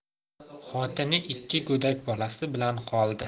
xotini ikki go'dak bolasi bilan qoldi